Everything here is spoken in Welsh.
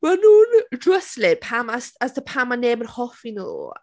Ma' nhw'n dryslyd pam, as as to pam 'ma neb yn hoffi nhw.